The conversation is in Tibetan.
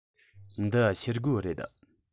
འདི ཤེལ སྒོ རེད